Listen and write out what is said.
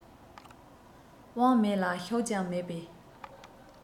དབང མེད ལ ཤུགས ཀྱང མེད པའི